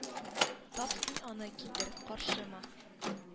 Тап син аны китер каршы ма